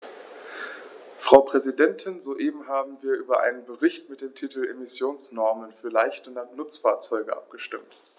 Frau Präsidentin, soeben haben wir über einen Bericht mit dem Titel "Emissionsnormen für leichte Nutzfahrzeuge" abgestimmt.